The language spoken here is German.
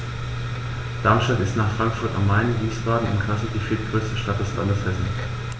Darmstadt ist nach Frankfurt am Main, Wiesbaden und Kassel die viertgrößte Stadt des Landes Hessen